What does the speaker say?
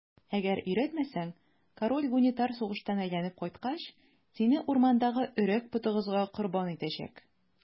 Әгәр өйрәтмәсәң, король Гунитар сугыштан әйләнеп кайткач, сине урмандагы Өрәк потыгызга корбан итәчәк.